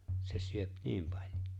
se syö niin paljon